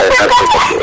merci beaucoup